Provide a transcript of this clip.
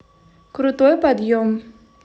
крутой подъем